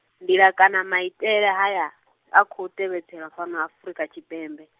nḓila kana maitele haya , a khou tevhedzelwa fhano Afurika Tshipembe.